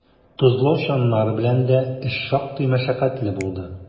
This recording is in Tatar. Тозлау чаннары белән дә эш шактый мәшәкатьле булды.